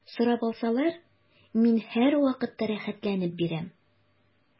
Сорап алсалар, мин һәрвакытта рәхәтләнеп бирәм.